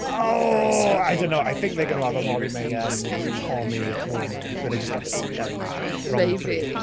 Oh! I don't know, I think they're going to have a Molly-Mae and Tommy moment where they just get second wrongfully... Maybe.